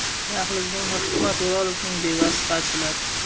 dahlizda uni hikmat o'rolovning bevasi qarshiladi